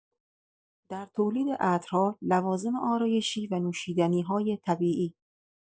در تولید عطرها، لوازم آرایشی و نوشیدنی‌های طبیعی